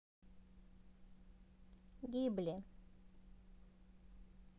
гибли